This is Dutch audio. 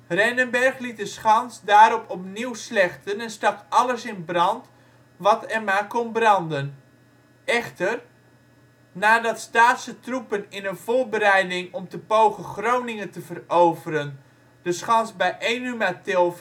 Rennenberg liet de schans daarop opnieuw slechten en stak alles in brand wat er maar kon branden. Echter, nadat staatse troepen in een voorbereiding om te pogen Groningen te veroveren de schans bij Enumatil